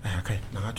A y'a an ka